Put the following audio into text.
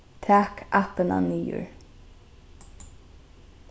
tak appina niður